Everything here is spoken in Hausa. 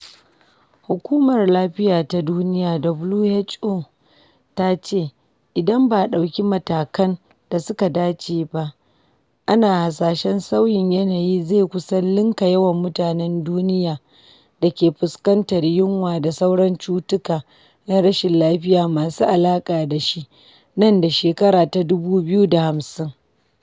Hukumar Lafiya ta Duniya (WHO) ta ce idan ba a ɗauki matakan da suka dace ba, ana hasashen sauyin yanayi zai kusan ninka yawan mutanen duniya da ke fuskantar yunwa da sauran cutuka na rashin lafiya masu alaƙa da shi nan da shekara ta 2050.